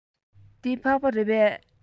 འདི ཕག པ རེད པས